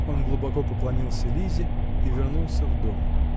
-- Он глубоко поклонился Лизе и вернулся в дом.